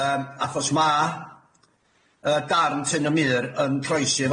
Yym achos ma' yy darn Tyn y Mur yn croesi